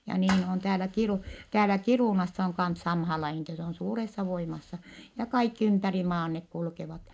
ja niin on täällä - täällä Kiirunassa on kanssa samaan lajiin että se on suuressa voimassa ja kaikki ympäri maan ne kulkevat